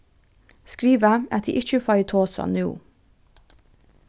skriva at eg ikki fái tosað nú